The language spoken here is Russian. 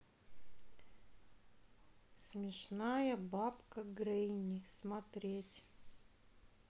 смешная бабка гренни смотреть